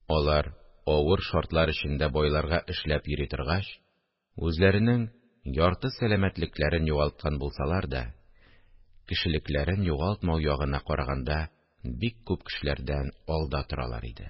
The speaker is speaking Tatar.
Алар, авыр шартлар эчендә байларга эшләп йөри торгач, үзләренең ярты сәламәтлекләрен югалткан булсалар да, кешелекләрен югалтмау ягына караганда бик күп кешеләрдән алда торалар иде